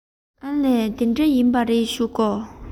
ཨ ལས དེ འདྲ ཡིན པ རེད བཞུགས དགོ